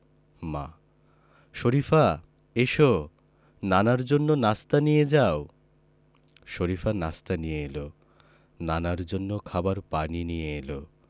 মা শরিফা এসো নানার জন্য নাশতা নিয়ে যাও শরিফা নাশতা নিয়ে এলো নানার জন্য খাবার পানি নিয়ে এলো